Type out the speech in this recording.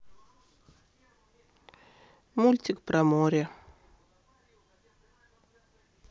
мультик про море